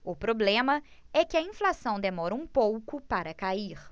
o problema é que a inflação demora um pouco para cair